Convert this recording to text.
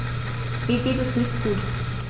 Mir geht es nicht gut.